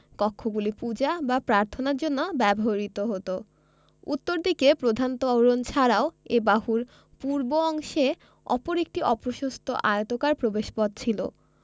কক্ষগুলি পূজা বা প্রার্থনার জন্য ব্যবহূত হতো উত্তরদিকে প্রধান তোরণ ছাড়াও এ বাহুর পূর্ব অংশে অপর একটি অপ্রশস্ত আয়তাকার প্রবেশপথ ছিল